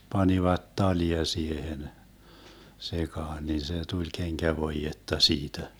panivat talia siihen sekaan niin se tuli kenkävoidetta siitä